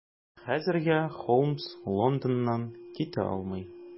Хәзергә Холмс Лондоннан китә алмый.